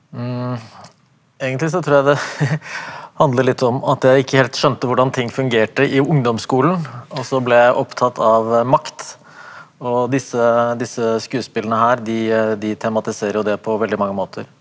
egentlig så tror jeg det handler litt om at jeg ikke helt skjønte hvordan ting fungerte i ungdomsskolen og så ble jeg opptatt av makt og disse disse skuespillene her de de tematiserer jo det på veldig mange måter.